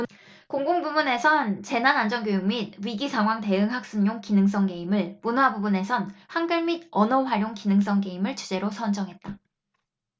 공공 부문에선 재난안전교육 및 위기상황 대응 학습용 기능성 게임을 문화 부문에선 한글 및 언어활용 기능성 게임을 주제로 선정했다